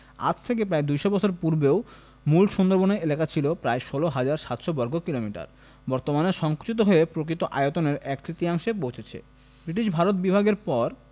আজ থেকে প্রায় ২০০ বছর পূর্বেও মূল সুন্দরবনের এলাকা ছিল প্রায় ১৬ হাজার ৭০০ বর্গ কিলোমিটার বর্তমানে সংকুচিত হয়ে প্রকৃত আয়তনের এক তৃতীয়াংশে পৌঁছেছে ব্রিটিশ ভারত বিভাগের পর